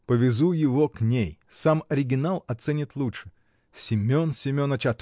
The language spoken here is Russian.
— Повезу его к ней: сам оригинал оценит лучше. Семен Семеныч!